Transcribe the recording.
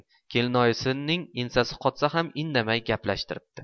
kelinoyisining ensasi qotsa ham indamay gaplashtiribdi